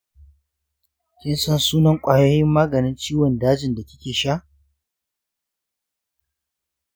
kinsan sunan kwayoyin maganin ciwon dajin da kikesha?